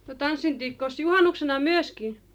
no tanssittiinkos juhannuksena myöskin